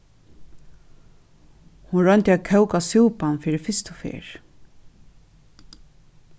hon royndi at kóka súpan fyri fyrstu ferð